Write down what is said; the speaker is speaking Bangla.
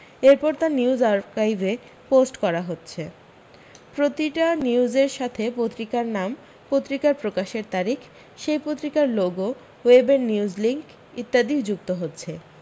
এরপর তা নিউজ আর্কাইভে পোষ্ট করা হচ্ছে প্রতিটা নিউজের সাথে পত্রিকার নাম পত্রিকার প্রকাশের তারিখ সেই পত্রিকার লোগো ওয়েবের নিউজ লিঙ্ক ইত্যাদি যুক্ত হচ্ছে